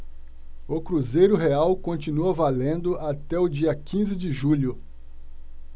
o cruzeiro real continua valendo até o dia quinze de julho